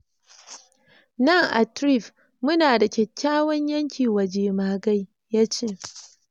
“Nan a Threave mu na da kyakkyawan yanki wa jemagai,” yace.